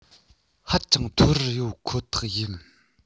ཧ ཅང མཐོ རུ ཡོད ཁོ ཐག ཡིན